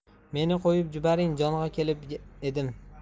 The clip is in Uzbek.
meni qo'yib jubaring nong'a kelib edim